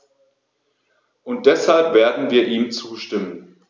Und deshalb werden wir ihm zustimmen.